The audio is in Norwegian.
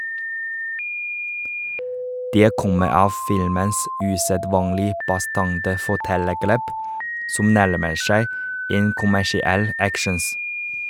Det kommer av filmens usedvanlig bastante fortellergrep, som nærmer seg en kommersiell actions.